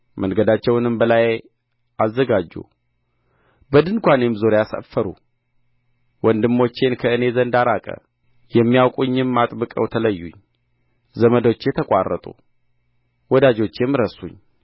መንገዳቸውንም በላዬ አዘጋጁ በድንኳኔም ዙሪያ ሰፈሩ ወንድሞቼን ከእኔ ዘንድ አራቀ የሚያውቁኝም አጥብቀው ተለዩኝ ዘመዶቼ ተቋረጡ ወዳጆቼም ረሱኝ